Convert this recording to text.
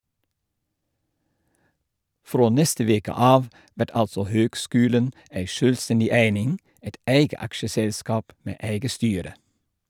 Frå neste veke av vert altså høgskulen ei sjølvstendig eining, eit eige aksjeselskap med eige styre.